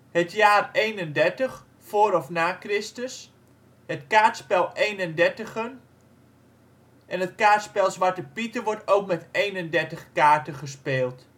Het jaar 31 B.C., het jaar A.D. 31, 1931 Het kaartspel eenendertigen. Het kaartspel Zwartepieten wordt ook met 31 kaarten gespeeld